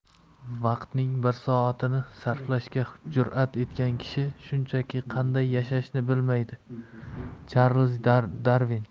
vaqtining bir soatini sarflashga jur'at etgan kishi shunchaki qanday yashashni bilmaydi charlz darvin